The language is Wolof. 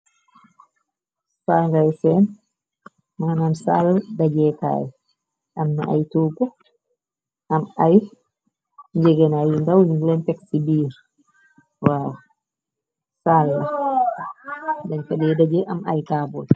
Sal ngai seen manan sal dajee kaay amna ay tuug am ay njégeena. Ay ngaw lin leen pex ci biir waaw saal na dañ d daje am ay kaabol.